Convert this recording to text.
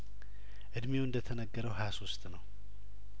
እድሜው እንደተነገረው ሀያ ሶስት ነው